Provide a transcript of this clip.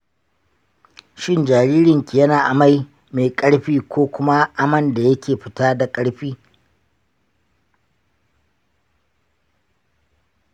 shin jarirnki yana amai mai karfi ko kuma aman da yake fita da karfi?